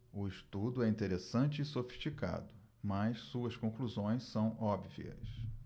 o estudo é interessante e sofisticado mas suas conclusões são óbvias